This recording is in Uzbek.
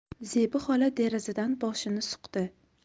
zebi xola derazadan boshini suqdi